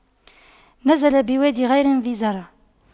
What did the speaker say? نزل بواد غير ذي زرع